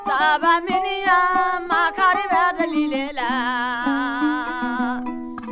sabaminiyan makari bɛ deli le la